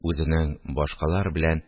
Үзенең башкалар белән